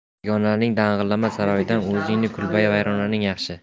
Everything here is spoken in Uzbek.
begonaning dang'illama saroyidan o'zingning kulbayi vayronang yaxshi